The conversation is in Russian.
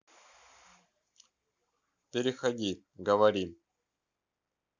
переходи говори